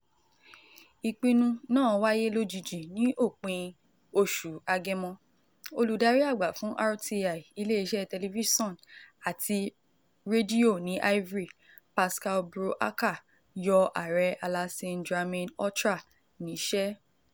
Ìpinnu náà wáyé lójijì ní òpin July: Olùdarí àgbà fún RTI (iléeṣẹ́ Tẹlifísàn àti Rédíò ní Ivory), Pascal Brou Aka yọ Aàrẹ Alassane Dramane Ouattara níṣẹ́.